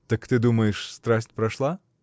— Так ты думаешь, страсть прошла?